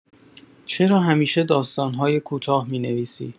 چرا همیشه داستان‌های کوتاه می‌نویسی؟